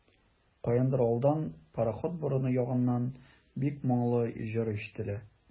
Каяндыр алдан, пароход борыны ягыннан, бик моңлы җыр ишетелә.